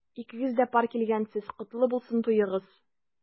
Икегез дә пар килгәнсез— котлы булсын туегыз!